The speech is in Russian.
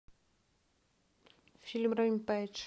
фильм ремпейдж